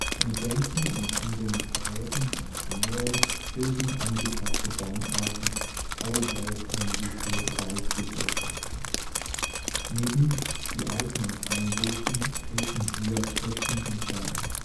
In Senken und an den Gräben und Kanälen bilden angepasste Baumarten auwaldähnliche Waldgesellschaften. Neben die Eichen und Hainbuchen treten hier Eschen und Erlen